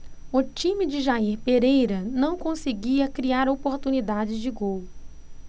o time de jair pereira não conseguia criar oportunidades de gol